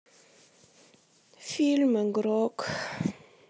фильм игрок